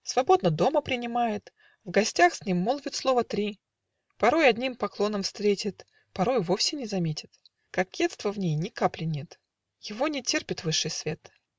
Свободно дома принимает, В гостях с ним молвит слова три, Порой одним поклоном встретит, Порою вовсе не заметит: Кокетства в ней ни капли нет - Его не терпит высший свет.